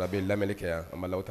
A bɛ lamɛnli kɛ a ma lata